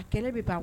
A kɛlɛ bɛ ban